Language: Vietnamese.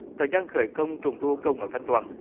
thời gian khởi công trùng tu công ở thanh toàn